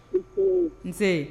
Nse Nse